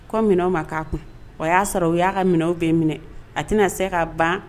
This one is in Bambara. Kɔ minɛw ma k'a kun o y'a sɔrɔ o u y'a ka minɛnw bɛ minɛ a tɛna se ka ban